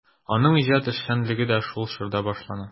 Аның иҗат эшчәнлеге дә шул чорда башлана.